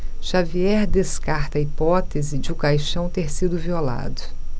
xavier descarta a hipótese de o caixão ter sido violado